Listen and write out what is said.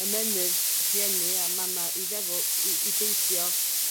ymennydd rhieni a mama' i feddwl i i beidio